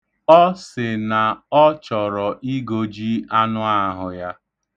Ọ sị na ọ chọrọ igoji anụahụ ya.